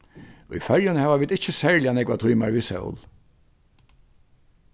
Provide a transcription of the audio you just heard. í føroyum hava vit ikki serliga nógvar tímar við sól